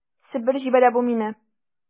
Себер җибәрә бу мине...